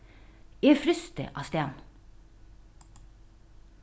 eg frysti á staðnum